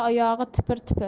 oyog'i tipir tipir